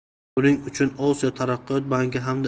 buning uchun osiyo taraqqiyot banki hamda